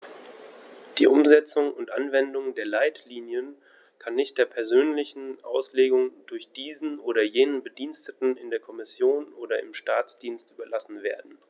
Die Umsetzung und Anwendung der Leitlinien kann nicht der persönlichen Auslegung durch diesen oder jenen Bediensteten in der Kommission oder im Staatsdienst überlassen werden.